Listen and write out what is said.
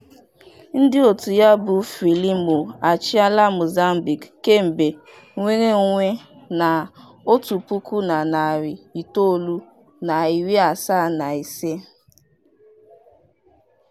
Ndị otu ya bụ Frelimo achịala Mozambique kemgbe nnwere onwe na 1975.